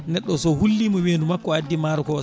neɗɗo o so hullima weedu makko o addi maaro ko o